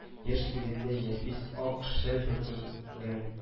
Яшь килендәй нәфис ак шәл бөркәнгән